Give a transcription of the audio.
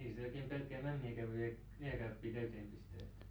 ei sitä oikein pelkkää mämmiäkään voi jääkaappiin täyteen pistää